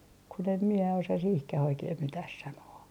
kun en minä osaa siihenkään oikein mitään sanoa